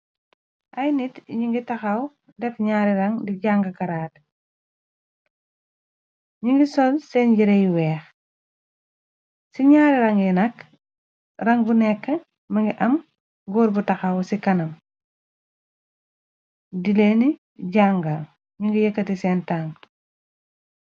Ay nit ñi ngi taxaw def ñaari rang di jànga karaat, ñi ngi sol seen jerey weex. Ci ñaari rang yi nak , rang bu nekk mungi am góor bu taxaw ci kanam, di leeni jànga ñi ngi yëkkati seen tanka.